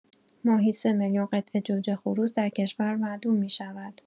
ماهی ۳ میلیون قطعه جوجه خروس در کشور معدوم می‌شود.